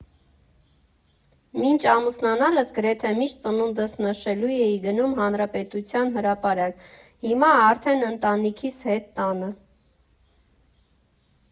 Մինչ ամուսնանալս գրեթե միշտ ծնունդս նշելու էի գնում Հանրապետության հրապարակ, հիմա արդեն ընտանիքիս հետ տանը։